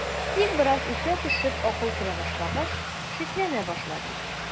Тик бераз үсә төшеп акыл керә башлагач, шикләнә башлады.